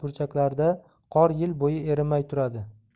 burchaklarda qor yil bo'yi erimay turadi